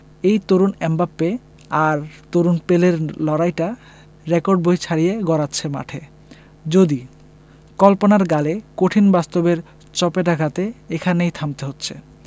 এই তরুণ এমবাপ্পে আর তরুণ পেলের লড়াইটা রেকর্ড বই ছাড়িয়ে গড়াচ্ছে মাঠে যদি কল্পনার গালে কঠিন বাস্তবের চপেটাঘাতে এখানেই থামতে হচ্ছে